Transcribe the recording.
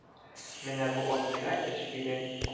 Менә бу абзыйга эш кирәк...